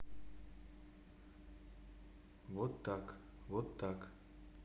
вот так вот так